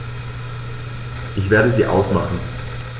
Ich werde sie ausmachen.